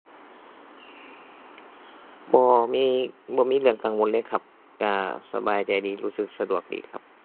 บ่มี บ่มีเรื่องกังวลเลยครับ ก็สบายใจดี รู้สึกสะดวกดีครับ